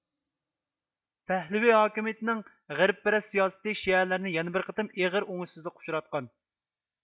پەھلىۋى ھاكىمىيىتىنىڭ غەربپەرەس سىياسىتى شىئەلەرنى يەنە بىر قېتىم ئېغىر ئوڭۇشسىزلىققا ئۇچراتقان